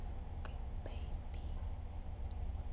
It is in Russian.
g baby